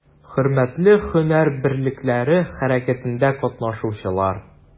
Хөрмәтле һөнәр берлекләре хәрәкәтендә катнашучылар!